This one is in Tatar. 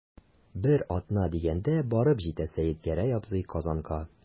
Бер атна дигәндә барып җитә Сәетгәрәй абый Казанга.